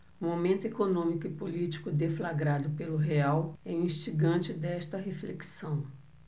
o momento econômico e político deflagrado pelo real é instigante desta reflexão